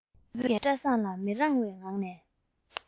རྒད པོས བཀྲ བཟང ལ མི རངས པའི ངང ནས